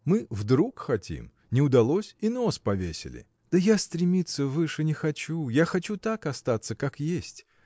Мы вдруг хотим; не удалось – и нос повесили. – Да я стремиться выше не хочу. Я хочу так остаться, как есть